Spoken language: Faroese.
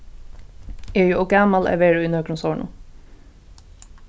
eg eri ov gamal at vera í nøkrum sovorðnum